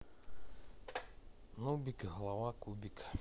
нубик голова кубик